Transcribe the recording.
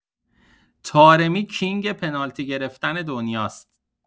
طارمی کینگ پنالتی گرفتن دنیاست.